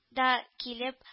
Да килеп